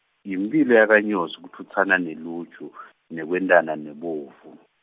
yimphilo yakanyosi kutfutsana neluju nekwentana nemovu.